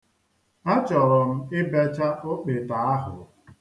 Achọrọ m ịbecha okpete ahu.